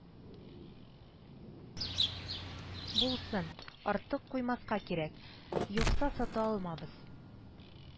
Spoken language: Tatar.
Булсын, артык куймаска кирәк, юкса сата алмабыз